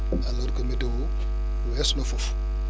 alors que météo weesu na foofu